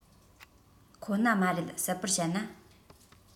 ཁོ ན མ རེད གསལ པོར བཤད ན